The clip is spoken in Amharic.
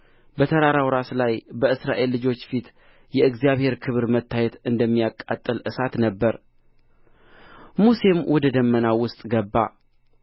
በተራራው ራስ ላይ በእስራኤል ልጆች ፊት የእግዚአብሔር ክብር መታየት እንደሚያቃጥል እሳት ነበረ ሙሴም ወደ ደመናው ውስጥ ገባ